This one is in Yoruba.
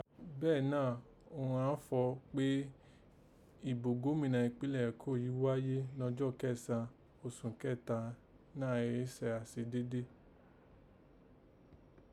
Bẹ́ẹ̀ náà òghun àán fọ̀ọ́ pé ìbò Gómìnà ìpínlẹ̀ Èkó yìí gháyé nọjọ́ kẹsàn án osùn keta nẹ́ àìsèdédé